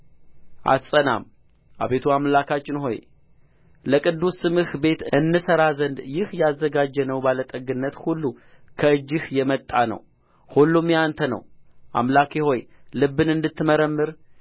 አትጸናም አቤቱ አምላካችን ሆይ ለቅዱስ ስምህ ቤት እንሠራ ዘንድ ይህ ያዘጋጀነው ባለጠግነት ሁሉ ከእጅህ የመጣ ነው ሁሉም የአንተ ነው አምላኬ ሆይ ልብን እንድትመረምር